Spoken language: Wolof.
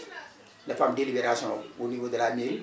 dafa am délibération au niveau de la mairie